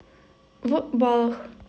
в баллах